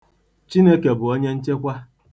Chineke bụ onye nchekwa.